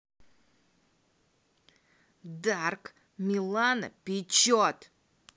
dark милана печет